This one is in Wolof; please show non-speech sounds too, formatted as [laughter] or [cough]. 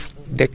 [hesitation] [hesitation]